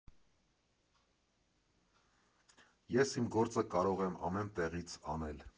֊ Ես իմ գործը կարող եմ ամեն տեղից անել։